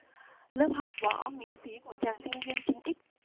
lớp học võ miễn phí của chàng sinh viên chín x